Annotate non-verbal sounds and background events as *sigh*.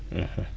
*hesitation* *hesitation*